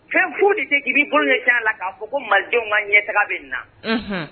Fɛn fu de tɛ k'i'i bolocɛ la k'a fɔ ko malidenw ka ɲɛ taga bɛ na